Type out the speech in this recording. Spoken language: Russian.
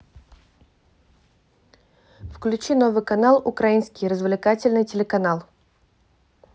включи новый канал украинский развлекательный телеканал